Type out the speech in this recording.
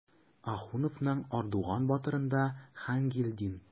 Ахуновның "Ардуан батыр"ында Хангилдин.